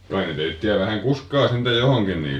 kai ne teitä vähän kuskaa sentään johonkin niillä